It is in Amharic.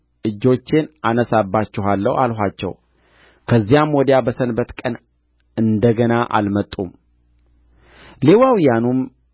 እጆቼን አነሣባችኋለሁ አልኋቸው ከዚያም ወዲያ በሰንበት ቀን እንደ ገና አልመጡም ሌዋውያኑንም